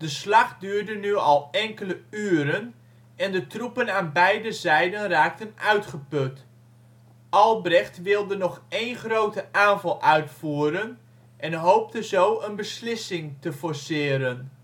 slag duurde nu al enkele uren en de troepen aan beide zijden raakten uitgeput. Albrecht wilde nog één grote aanval uitvoeren en hoopte zo een beslissing te forceren